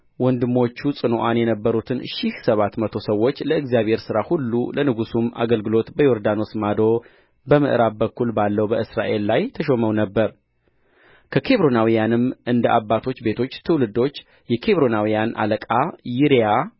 ወንድሞቹ ጽኑዓን የነበሩት ሺህ ሰባት መቶ ሰዎች ለእግዚአብሔር ሥራ ሁሉ ለንጉሡም አገልግሎት በዮርዳኖስ ማዶ በምዕራብ በኩል ባለው በእስራኤል ላይ ተሾመው ነበር ከኬብሮናውያንም እንደ አባቶች ቤቶች ትውልዶች የኬብሮናውያን አለቃ ይርያ